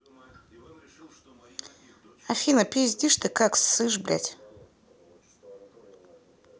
афина пиздишь ты как сышь блядь